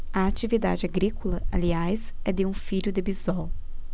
a atividade agrícola aliás é de um filho de bisol